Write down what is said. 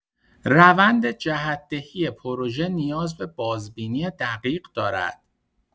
روند جهت‌دهی پروژه نیاز به بازبینی دقیق دارد.